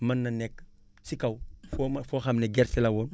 mën na nekk si kaw foo ma foo xam ne gerte la woo